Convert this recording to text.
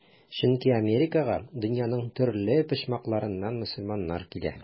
Чөнки Америкага дөньяның төрле почмакларыннан мөселманнар килә.